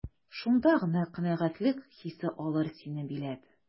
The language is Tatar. Шунда гына канәгатьлек хисе алыр сине биләп.